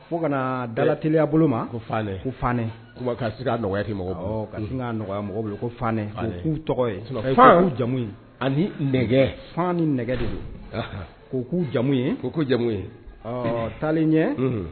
Fo kana dala telileya bolo maɛ tɛ koɛ'u tɔgɔu jamu ani fa ni nɛgɛ de don k' k'u jamu ye ko ko jamu ye taalen ɲɛ